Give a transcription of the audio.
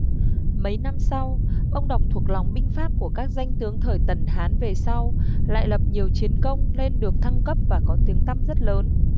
mấy năm sau ông đọc thuộc lòng binh pháp của các danh tướng đời tần hán về sau lại lập nhiều chiến công nên luôn được thăng cấp và có tiếng tăm rất lớn